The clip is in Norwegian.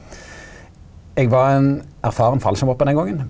eg var ein erfaren fallskjermhoppar den gongen.